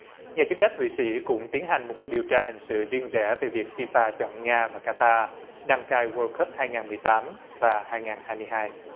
nhà chức trách thụy sĩ cũng tiến hành một cuộc điều tra hình sự riêng rẽ về việc phi pha chọn nga và ca ta đăng cai uôn cúp hai ngàn mười tám và hai nghìn hai mươi hai